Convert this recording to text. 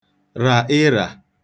rà ịrà